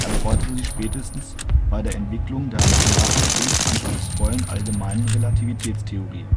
er bereute sie spätestens bei der Entwicklung der mathematisch höchst anspruchsvollen Allgemeinen Relativitätstheorie